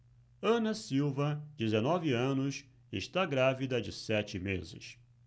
ana silva dezenove anos está grávida de sete meses